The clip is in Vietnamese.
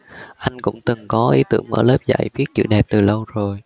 anh cũng từng có ý tưởng mở lớp dạy viết chữ đẹp từ lâu rồi